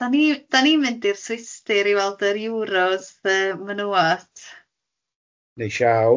Dan ni da ni'n mynd i'r Swistir i weld yr Euros yy menywod. Neis iawn.